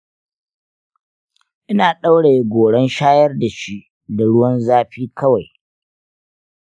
ina ɗauraye goran shayar da shi, da ruwan zafi kawai.